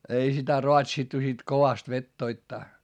ei sitä raatsittu sitten kovasti vetoittaa